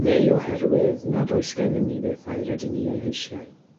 Neu oherwydd nad oes gennym ni bethau rydyn ni eu heisiau.